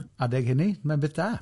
Yn adeg hynny, mae'n beth da.